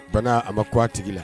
Bana a ma kun a tigi la